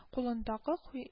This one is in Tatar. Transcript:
Кулындагы күэ